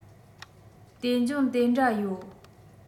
ལྟོས འབྱུང དེ འདྲ ཡོད